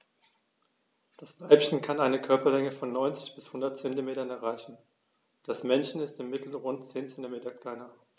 Das Weibchen kann eine Körperlänge von 90-100 cm erreichen; das Männchen ist im Mittel rund 10 cm kleiner.